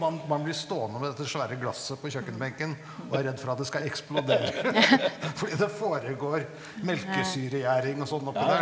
man man blir stående med dette svære glasset på kjøkkenbenken og er redd for at det skal eksplodere fordi det foregår melkesyregjæring og sånn oppi der.